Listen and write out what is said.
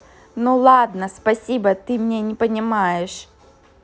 ну ладно спасибо ты меня не понимаешь